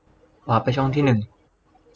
วาปไปช่องที่หนึ่ง